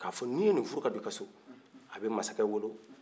ka fɔ ni ye ni furu ka don i ka so a bɛ masakɛ wolo